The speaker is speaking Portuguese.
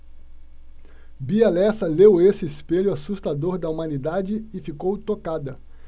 bia lessa leu esse espelho assustador da humanidade e ficou tocada